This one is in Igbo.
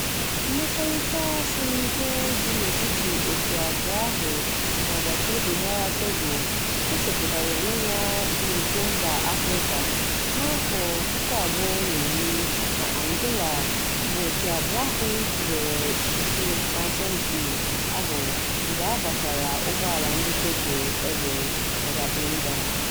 Mmekọrịta siri ike dị n'etiti òtù abụọ ahụ na agbataobi ha Togo gosịpụtara onwe ya n'Iko Mba Afrịka na 2010 na Angola mgbe òtù abụọ ahụ tụlere ịpụ n'asọmpi ahụ mgbe a gbachara ụgbọala ndị Togo egbe na Cabinda.